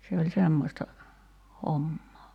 se oli semmoista hommaa